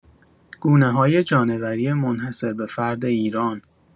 گونه‌های جانوری منحصر به‌فرد ایران